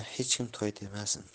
kim toy demasin